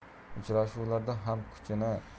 uchrashuvlarda ham kuchni